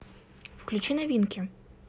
включи новинки